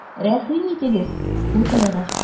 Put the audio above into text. Рәхим итегез, утырыгыз!